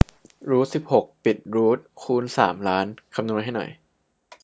รูทสิบหกปิดรูทคูณสามล้านคำนวณให้หน่อย